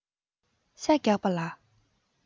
ཤ རྒྱགས པ ལ